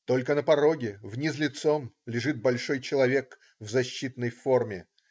Только на пороге, вниз лицом, лежит большой человек в защитной форме.